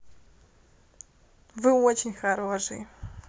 вы очень хороший